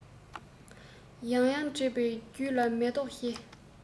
ཡང ཡང འདྲིས པས རྒྱུད ལ མེ ཏོག བཞད